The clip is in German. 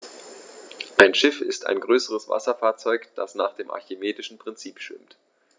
Ein Schiff ist ein größeres Wasserfahrzeug, das nach dem archimedischen Prinzip schwimmt.